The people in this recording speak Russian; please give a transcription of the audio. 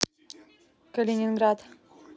калининград